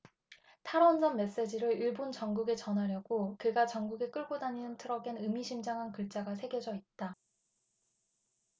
탈원전 메시지를 일본 전국에 전하려고 그가 전국에 끌고 다니는 트럭엔 의미심장한 글자가 새겨져 있다